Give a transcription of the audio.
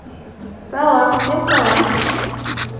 салам всем салам